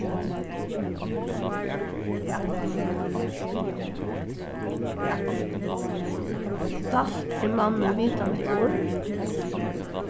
dælt er manni vitandi orð